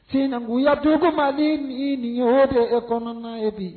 Sinankunya dugu Mali nin , nin ye o de kɔnɔna ye !